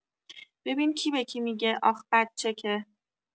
ببین کی به کی می‌گه آخ بچه که